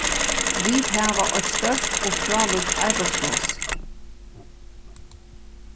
vit hava eitt stórt og frálíkt arbeiðspláss